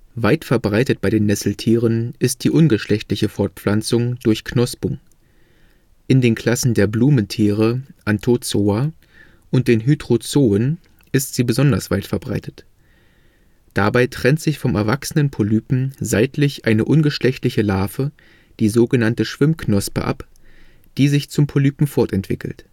Weit verbreitet bei den Nesseltieren ist die ungeschlechtliche Fortpflanzung durch Knospung. In den Klassen der Blumentiere (Anthozoa) und der Hydrozoen (Hydrozoa) ist sie besonders weit verbreitet. Dabei trennt sich vom erwachsenen Polypen seitlich eine ungeschlechtliche Larve, die so genannte Schwimmknospe ab, die sich zum Polypen fortentwickelt